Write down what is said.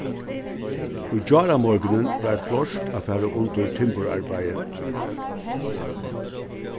í gjáramorgunin var klárt at fara undir timburarbeiðið